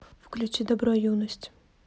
включи дабро юность